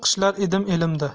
qishlar edim elimda